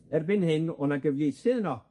Erbyn hyn, o' 'na gyfieithydd yno.